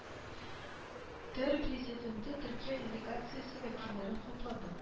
Тр президенты төркия делегациясе вәкилләрен хуплады